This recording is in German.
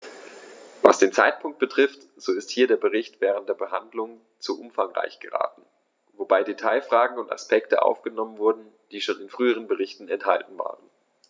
Was den Zeitpunkt betrifft, so ist hier der Bericht während der Behandlung zu umfangreich geraten, wobei Detailfragen und Aspekte aufgenommen wurden, die schon in früheren Berichten enthalten waren.